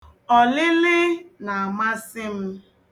Ọlịlị na-amasị m.